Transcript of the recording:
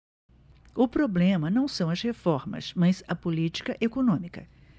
o problema não são as reformas mas a política econômica